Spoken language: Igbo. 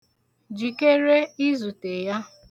Jikere izute ya.